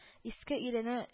Иске ирене